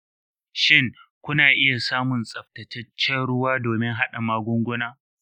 shin kuna iya samun tsaftataccen ruwa domin hada magunguna?